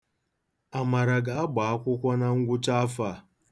Amara ga-agba akwụkwọ na ngwụchaafọ a.